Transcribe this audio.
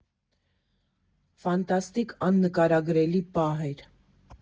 Ֆանտաստիկ, աննկարագրելի պահ էր։